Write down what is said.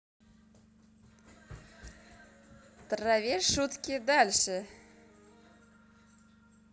траве шутки дальше